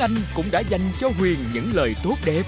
anh cũng đã dành cho huyền những lời tốt đẹp